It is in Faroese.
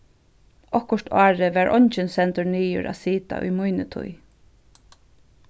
okkurt árið var eingin sendur niður at sita í míni tíð